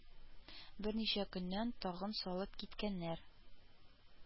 Берничә көннән тагын салып киткәннәр